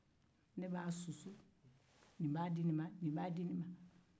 ne b'a susu nin b'a di nin nin b'a di nin ma